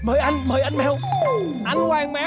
mời anh mời anh mèo anh hoàng mèo